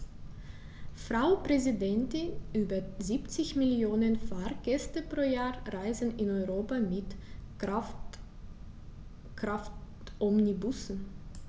Frau Präsidentin, über 70 Millionen Fahrgäste pro Jahr reisen in Europa mit Kraftomnibussen.